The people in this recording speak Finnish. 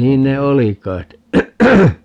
niin ne oli kai